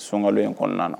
Soka in kɔnɔna na